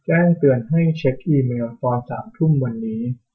แจ้งเตือนให้เช็คอีเมล์ตอนสามทุ่มวันนี้